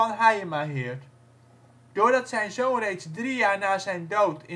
Hayemaheerd. Doordat zijn zoon reeds drie jaar na zijn dood